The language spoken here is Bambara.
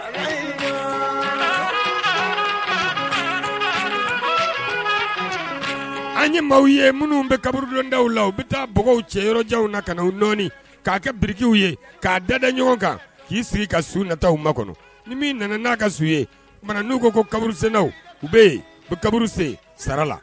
An ye maa ye minnu bɛ kaburudondaw la u bɛ taabagaww cɛ yɔrɔjanw na ka uɔni k'a kɛ birikiw ye k'a da ɲɔgɔn kan k'i sigi ka su nata u ma kɔnɔ ni min nana n'a ka su ye n'u ko ko kaburu senw u bɛ yen kaburu sen sara la